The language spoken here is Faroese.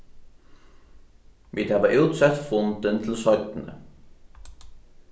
vit hava útsett fundin til seinni